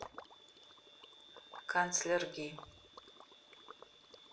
канцлер ги